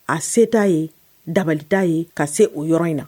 A se tta ye dabali'a ye ka se o yɔrɔ in na